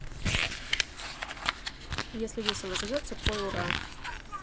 если весело живется пой ура